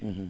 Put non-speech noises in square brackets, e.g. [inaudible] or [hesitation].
[hesitation] [hesitation]